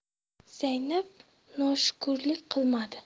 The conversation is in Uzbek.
zaynab noshukurlik qilmadi